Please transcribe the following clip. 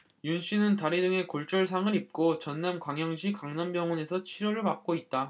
윤씨는 다리 등에 골절상을 입고 전남 광양시 강남병원에서 치료를 받고 있다